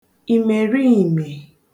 ìmèriìmè